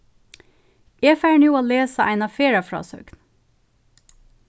eg fari nú at lesa eina ferðafrásøgn